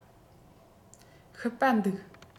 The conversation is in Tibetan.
ཤི པ འདུག